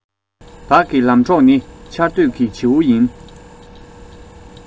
བདག གི ལམ གྲོགས ནི ཆར སྡོད ཀྱི བྱེའུ ཡིན